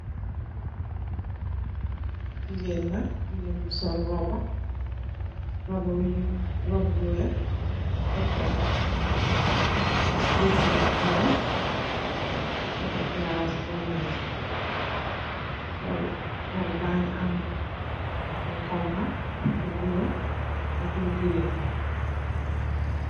jigéen la jigèen bu sol roroba , robba bi rob buwex. dafa letu mees, dafa flawa ci kaw meesi. sol roba ba ngi am lu xonxa, lu bulo ak lu gireen.